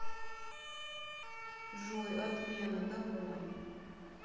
джой отмена домой